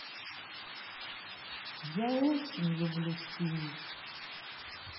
я очень люблю синий